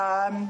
Yym.